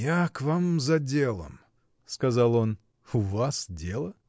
— Я к вам за делом, — сказал он. — У вас дело?